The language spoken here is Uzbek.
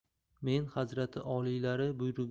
men hazrati oliylari buyurgan